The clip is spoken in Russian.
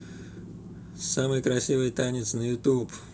самый красивый танец на youtube